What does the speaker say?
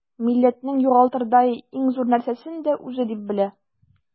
Милләтнең югалтырдай иң зур нәрсәсен дә үзе дип белә.